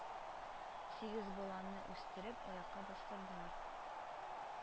Сигез баланы үстереп, аякка бастырдылар